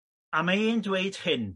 a mae e'n dweud hyn